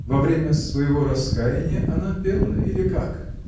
во время своего раскаяния она пела -- или как?.